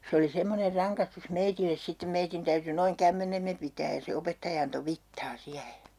se oli semmoinen rangaistus meille sitten meidän täytyi noin kämmenemme pitää ja se opettaja antoi vitsaa siihen